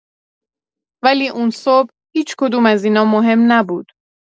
ولی اون صبح، هیچ‌کدوم از اینا مهم نبود.